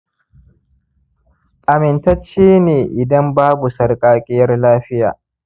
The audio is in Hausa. amintacce ne idan babu sarƙaƙiyar lafiya